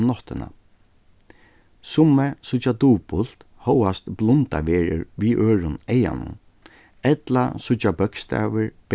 um náttina summi síggja dupult hóast blundað verður við øðrum eyganum ella síggja bókstavir